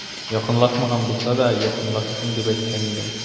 Якынлашмаган булса да, якынлашсын, дип әйткән идем.